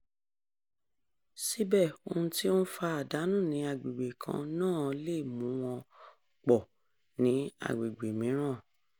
Síbẹ̀, ohun tí ó ń fa àdánù ní agbègbè kan náà lè mú wọn pọ̀ ní agbègbè mìíràn.